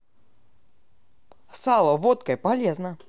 сало водкой полезно